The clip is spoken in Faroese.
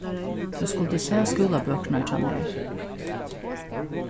tú skuldi sæð skúlabøkurnar hjá mær